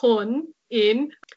hwn, un.